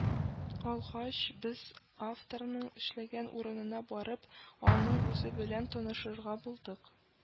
Алгач, без авторның эшләгән урынына барып, аның үзе белән танышырга булдык